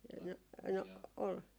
no no oli